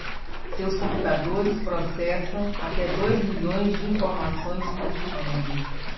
seus computadores processam até dois milhões de informações por segundo